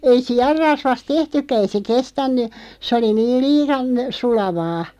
ei sianrasvasta tehtykään ei se kestänyt se oli niin liian sulavaa